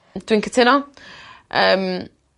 Dwi'n cytuno yym.